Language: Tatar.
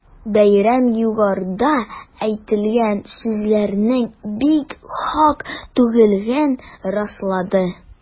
Бәйрәм югарыда әйтелгән сүзләрнең бигүк хак түгеллеген раслады.